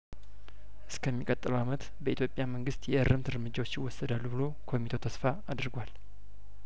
እስከ ሚቀጥለው አመት በኢትዮጵያ መንግስት የእርምት እርምጃዎች ይወሰ ዳሉ ብሎ ኮሚቴው ተስፋ አድርጓል